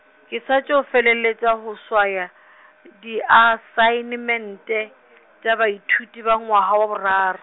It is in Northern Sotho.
ke sa tšo feleletša go swaya , diasaenmente, tša baithuti ba ngwaga wa boraro.